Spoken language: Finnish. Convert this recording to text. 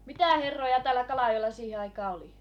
mitä herroja täällä Kalajoella siihen aikaan oli